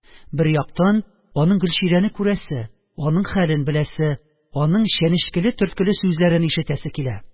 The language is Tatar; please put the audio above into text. Бер яктан, аның Гөлчирәне күрәсе, аның хәлен беләсе, аның чәнечкеле-төрткеле сүзләрен ишетәсе килә